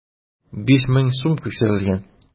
5000 сум күчерелгән.